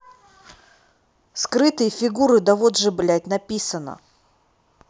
скрытые фигуры да вот же блядь написано